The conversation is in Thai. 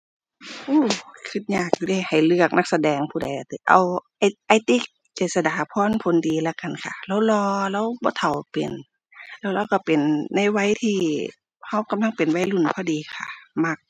โอ้ คิดยากอยู่เดะ ให้เลือกนักแสดงผู้ใดล่ะติ เอา อ้าย อ้ายติ๊ก เจษฎาภรณ์ ผลดีแล้วกันค่ะ เลาหล่อ เลาบ่เฒ่าเป็นแล้วเลาคิดเป็นในวัยที่คิดกำลังเป็นวัยรุ่นพอดีค่ะ มัก